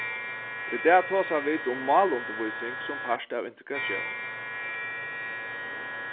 í dag tosa vit um málundirvísing sum part av integratión